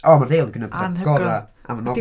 O, mae'r deialog yn... anhygoel ...gorau am y nofel.